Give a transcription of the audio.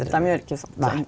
dei gjer ikkje sånt.